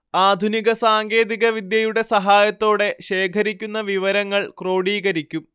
ആധുനിക സാങ്കേതിക വിദ്യയുടെ സഹായത്തോടെ ശേഖരിക്കുന്ന വിവരങ്ങൾ ക്രോഡീകരിക്കും